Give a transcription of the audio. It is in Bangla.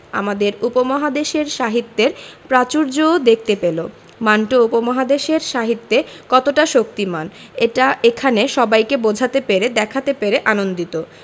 আমাদের উপমহাদেশের সাহিত্যের প্রাচুর্যও দেখতে পেল মান্টো উপমহাদেশের সাহিত্যে কতটা শক্তিমান এটা এখানে সবাইকে বোঝাতে পেরে দেখাতে পেরে আনন্দিত